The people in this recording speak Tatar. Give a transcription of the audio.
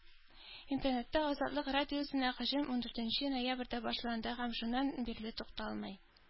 Интернетта Азатлык радиосына һөҗүм ундүртенче ноябрьдә башланды һәм шуннан бирле тукталмый.